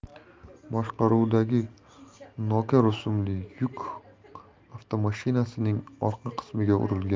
boshqaruvidagi noka rusumli yuk avtomashinasining orqa qismiga urilgan